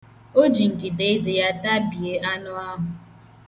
O ji ngịda eze ya tabie anụ ahụ.